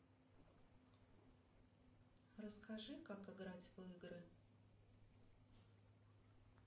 расскажи как играть в игры